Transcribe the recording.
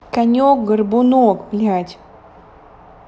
конек горбунок блядь